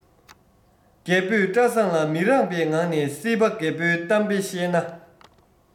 རྒད པོས བཀྲ བཟང ལ མི རངས པའི ངང ནས སྲིད པ རྒད པོས གཏམ དཔེ བཤད ན